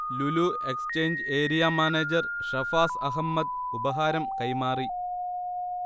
Lulu exchange area manager Shafas Ahmed ഉപഹാരം കൈമാറി